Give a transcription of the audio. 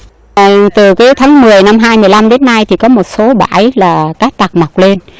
từ cuối tháng mười năm hai mười lăm đến nay thì có một số bãi là cát tặc mọc lên